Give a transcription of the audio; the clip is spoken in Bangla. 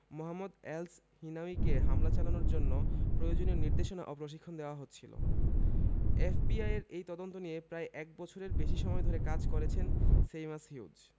মোহাম্মদ এলসহিনাউয়িকে হামলা চালানোর জন্য প্রয়োজনীয় নির্দেশনা ও প্রশিক্ষণ দেওয়া হচ্ছিল এফবিআইয়ের এই তদন্ত নিয়ে প্রায় এক বছরের বেশি সময় ধরে কাজ করেছেন সেইমাস হিউজ